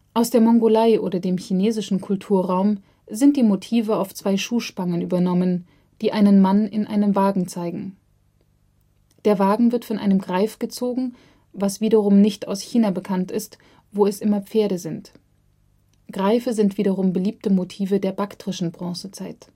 Aus der Mongolei oder dem chinesischen Kulturraum sind die Motive auf zwei Schuhspangen übernommen, die einen Mann in einen Wagen zeigen. Der Wagen wird von einem Greif gezogen, was wiederum nicht aus China bekannt ist, wo es immer Pferde sind. Greife sind wiederum beliebte Motive der baktrischen Bronzezeit